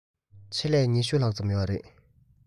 ཆེད ལས ༢༠ ལྷག ཙམ ཡོད རེད